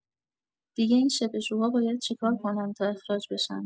دیگه این شپشوها باید چیکار کنن تا اخراج بشن؟